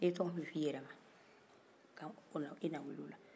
i ye tɔgɔ min f'i yɛrɛ ma o la i bɛna wel'o la